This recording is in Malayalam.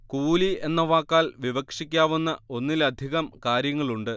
കൂലി എന്ന വാക്കാൽ വിവക്ഷിക്കാവുന്ന ഒന്നിലധികം കാര്യങ്ങളുണ്ട്